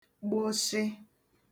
gbụshị